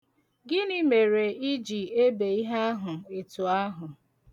Gịnị mere ị ji ebe ihe ahụ etu ahụ.